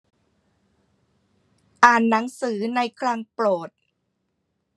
อ่านหนังสือในคลังโปรด